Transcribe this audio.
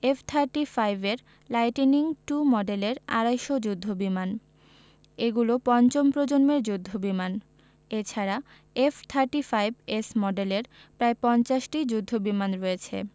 F thirty five এর lightning two মডেলের আড়াই শ যুদ্ধবিমান এগুলো পঞ্চম প্রজন্মের যুদ্ধবিমান এ ছাড়া এফ থার্টি ফাইভ এস মডেলের প্রায় ৫০টি যুদ্ধবিমান রয়েছে